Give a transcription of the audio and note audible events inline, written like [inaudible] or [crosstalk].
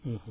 [hesitation] [hesitation]